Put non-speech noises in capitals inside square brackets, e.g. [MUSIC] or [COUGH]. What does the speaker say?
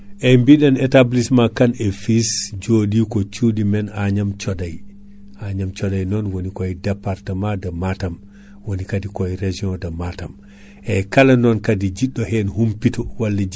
kono ɗum ɗon foof kaadi eɗen jogani ɗum kabtorɗe mum [BREATH] eɗen jogani ɗum produit mum hay mo hutoronoki Aprostar o so dañi caɗele e ndeema mum kaadi eɗen jogani ɗum kaadi solution ŋaji goɗɗi ɗi ganduɗa ɗiɗo kaadi so waɗi ɗum kaadi ma waw yide hen hoore mum